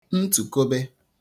ntùkobe